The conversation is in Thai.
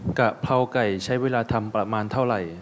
กะเพราไก่ใช้เวลาทำประมาณเท่าไหร่